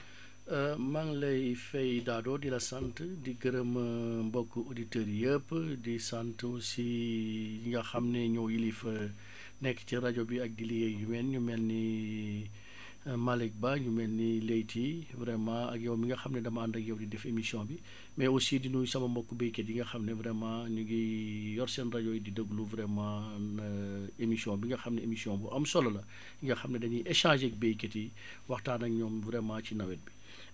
maa ngi lay fay Dado di la sant di gërëm mbokku auditeurs yépp di sant aussi ñi nga xam ne ñoo yilif nekk ci rajo bi ak di liggéey lu mel ni mel ni Malick Ba mel ni Leyti vraiment ak yow mi nga xam ne damaa ànda ak yow di def émission bi mais aussi di nuyu sama mbokku baykat yi nga xam ne vraiment ñu ngi yor seen rajo yi di déglu vraiment émission bi nga xam ne émission bu am solo la nga xam ne dañuy échangé ak baykat yi waxtaan ak ñoom vraiment ci nawet bi